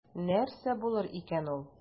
Нәрсә булыр икән ул?